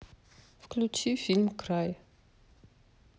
включи фильм край